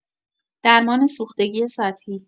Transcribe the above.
درمان سوختگی سطحی!